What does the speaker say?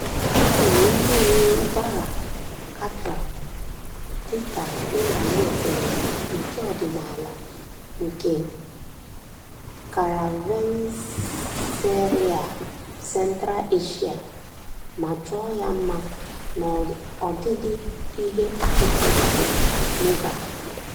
A rụrụ ihe owuwu Bara Katra, dị ka nhazi eserese nke ọdịnala nke karavenseraị Central Asia ma chọọ ya mma n'ọdịdị ihe akịtekịtị Mughal.